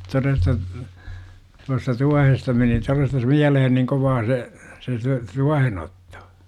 todesta tuosta tuohesta meni todesta mieleen niin kovaa se se se tuohen otto